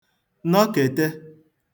nọkète